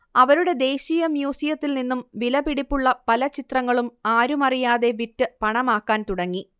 അവരുടെ ദേശീയ മ്യൂസിയത്തിൽ നിന്നും വിലപിടിപ്പുള്ള പല ചിത്രങ്ങളും ആരുമറിയാതെ വിറ്റ് പണമാക്കാൻ തുടങ്ങി